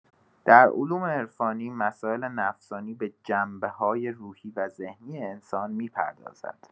در علوم عرفانی، مسائل نفسانی به جنبه‌های روحی و ذهنی انسان می‌پردازد.